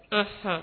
Unhun